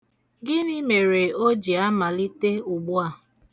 Gịnị mere o ji amalite ugbu a?